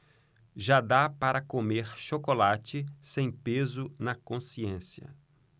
já dá para comer chocolate sem peso na consciência